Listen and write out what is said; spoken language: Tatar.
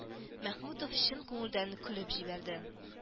Мәхмүтов чын күңелдән көлеп җибәрде